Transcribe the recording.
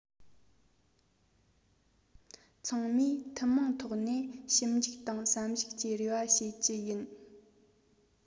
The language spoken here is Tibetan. ཚང མས ཐུན མོང ཐོག ནས ཞིབ འཇུག དང བསམ གཞིགས ཀྱི རེ བ བྱེད ཀྱི ཡིན